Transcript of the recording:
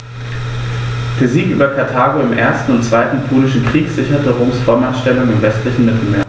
Der Sieg über Karthago im 1. und 2. Punischen Krieg sicherte Roms Vormachtstellung im westlichen Mittelmeer.